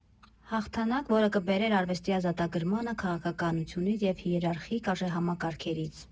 Հաղթանակ, որը կբերեր արվեստի ազատագրմանը քաղաքականությունից և հիերարխիկ արժեհամակարգերից։